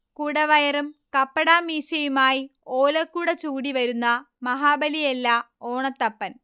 കുടവയറും കപ്പടാമീശയുമായി ഓലക്കുട ചൂടിവരുന്ന മഹാബലിയല്ല ഓണത്തപ്പൻ